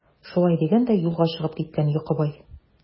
Шулай дигән дә юлга чыгып киткән Йокыбай.